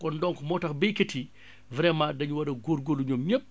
kon donc moo tax baykat yi vraiment dañu war a góorgóorlu ñoom ñépp